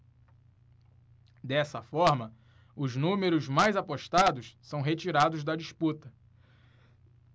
dessa forma os números mais apostados são retirados da disputa